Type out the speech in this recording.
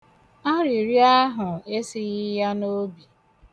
Arịrịọ ahụ esighị gị n'obi.